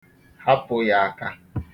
Hapụ ya aka.